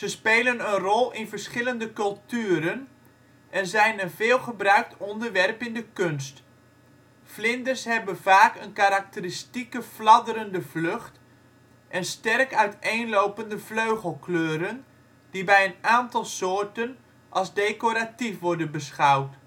spelen een rol in verschillende culturen en zijn een veel gebruikt onderwerp in de kunst. Vlinders hebben vaak een karakteristieke fladderende vlucht en sterk uiteenlopende vleugelkleuren die bij een aantal soorten als decoratief worden beschouwd